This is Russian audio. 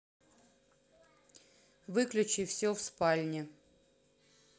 выключи все в спальне